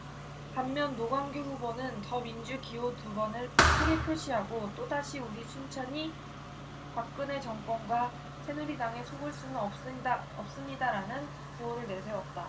반면 노관규 후보는 더민주 기호 두 번을 크게 표시하고 또다시 우리 순천이 박근혜 정권과 새누리당에 속을 수는 없습니다라는 구호를 내세웠다